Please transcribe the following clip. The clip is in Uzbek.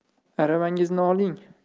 aravangizni oling